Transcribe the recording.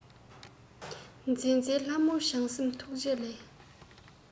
མཛེས མཛེས ལྷ མོའི བྱམས སེམས ཐུགས རྗེ ལས